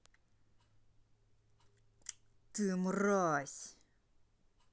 ты мразь